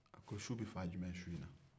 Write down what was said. ko su bɛ fan jumɛn su in na